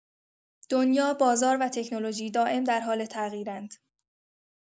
دنیا، بازار و تکنولوژی دائم در حال تغییرند.